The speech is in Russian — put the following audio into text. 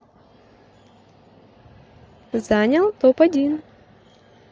занял топ один